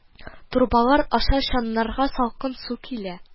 Трубалар аша чаннарга салкын су килә